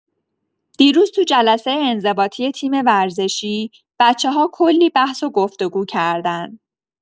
دیروز تو جلسه انضباطی تیم ورزشی، بچه‌ها کلی بحث و گفت‌وگو کردن.